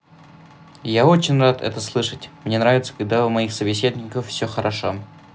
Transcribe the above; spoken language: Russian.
я очень рад это слышать мне нравится когда у моих собеседников все хорошо